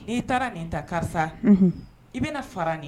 N'i taara nin ta karisa i bɛna fara nin